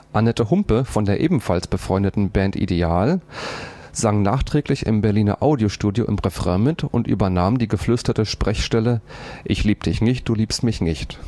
Annette Humpe von der ebenfalls befreundeten Band Ideal sang nachträglich im Berliner Audio-Studio im Refrain mit und übernahm die geflüsterte Sprechstelle „ Ich lieb dich nicht, du liebst mich nicht